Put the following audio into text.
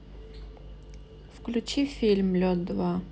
включи фильм лед два